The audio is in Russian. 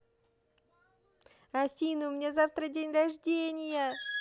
афина у меня завтра день рождения